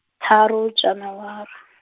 tharo Janaware.